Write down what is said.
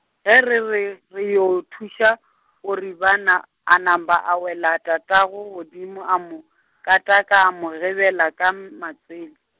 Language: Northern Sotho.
ge re re, re yo thuša, Koribana a napa a wela tatago godimo a mo, kataka a mo gebela ka m-, matswele.